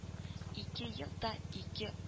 Ике ел да ике